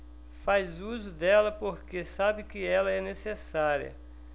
faz uso dela porque sabe que ela é necessária